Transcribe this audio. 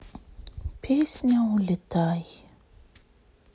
песня улетай